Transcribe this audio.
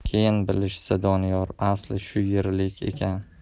keyin bilishsa doniyor asli shu yerlik ekan